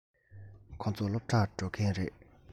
ཁོ ཚོ སློབ གྲྭར འགྲོ མཁན རེད